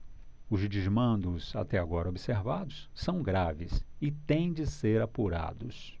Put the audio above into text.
os desmandos até agora observados são graves e têm de ser apurados